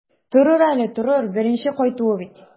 Торыр әле, торыр, беренче кайтуы бит.